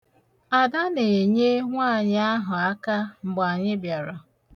Ada na-enye nwaanyị ahụ aka mgbe anyị bịara.